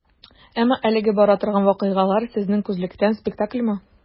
Әмма әлегә бара торган вакыйгалар, сезнең күзлектән, спектакльмы?